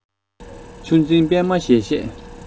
ཆུ འཛིན པད མ བཞད བཞད